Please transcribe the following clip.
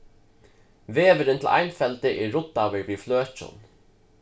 vegurin til einfeldi er ruddaður við fløkjum